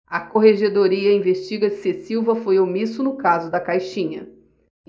a corregedoria investiga se silva foi omisso no caso da caixinha